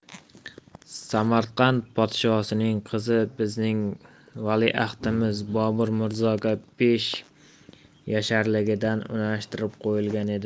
samarqand podshosining qizi bizning valiahdimiz bobur mirzoga besh yasharligidan unashtirib qo'yilgan edi